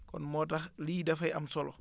kon moo tax lii dafay am solo